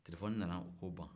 telefoni nana o ko ban